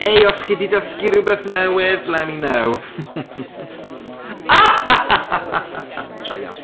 Hei, os chi 'di dysgu rywbeth newydd, let me know. Joio.